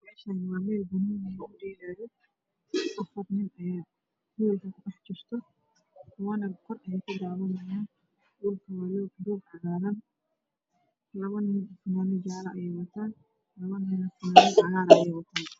Meeshaani Waa meel banaani lagu dheelayo sadex qofna hoolka ku dhex jirto kuwana kor ayay ka daawanayaan dhulka waa cagaar labo jin funaanado jaalo ayey wataan labo nin fanaanad cagaar ayey wataan